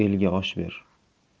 elga osh ber